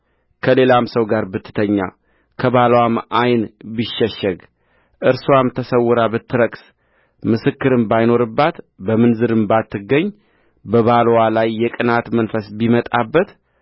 ከሌላም ሰው ጋር ብትተኛ ከባልዋም ዓይን ቢሸሸግ እርስዋም ተሰውራ ብትረክስ ምስክርም ባይኖርባት በምንዝርም ባትገኝበባልዋም ላይ የቅንዓት መንፈስ ቢመጣበት